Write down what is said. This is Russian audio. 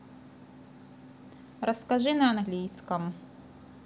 расскажи на английском